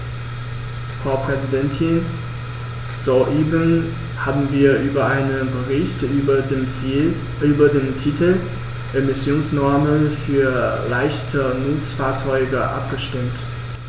Frau Präsidentin, soeben haben wir über einen Bericht mit dem Titel "Emissionsnormen für leichte Nutzfahrzeuge" abgestimmt.